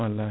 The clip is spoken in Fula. wallay